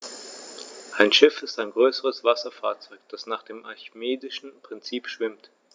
Ein Schiff ist ein größeres Wasserfahrzeug, das nach dem archimedischen Prinzip schwimmt.